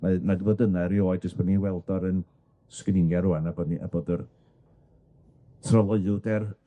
Mae ma' 'di bod yna erioed, jyst bo' ni'n weld o ar 'yn sgrinia' rŵan a bod ni a bod yr troloeuwder